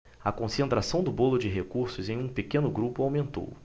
a concentração do bolo de recursos em um pequeno grupo aumentou